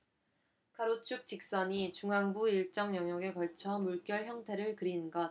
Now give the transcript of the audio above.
가로축 직선이 중앙부 일정 영역에 걸쳐 물결 형태를 그린 것